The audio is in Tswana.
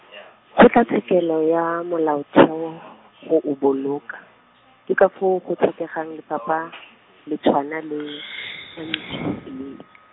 Kgotlatshekelo ya Molaotheo, go o boloka, ke ka foo go tlhokegang Lefapha , le tshwana le, N D A.